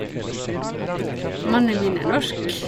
Mannen min er norsk.